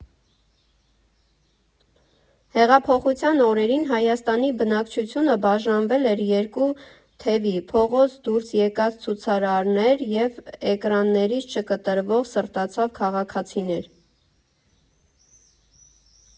Հեղափոխության օրերին Հայաստանի բնակչությունը բաժանվել էր երկու թևի՝ փողոց դուրս եկած ցուցարարներ և էկրաններից չկտրվող սրտացավ քաղաքացիներ։